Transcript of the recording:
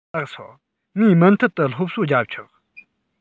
ལགས སོ ངས མུ མཐུད དུ སློབ གསོ རྒྱབ ཆོག